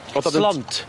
... Slont?